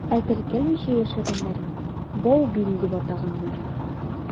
Ә теркәлмичә яшәгәннәрен «баубил» дип атаганнар.